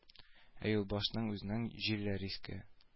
Ә юлбашчының үзеннән җилләр искән